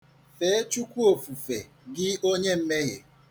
Fee Chukwu ofufe, gị onye mmehie.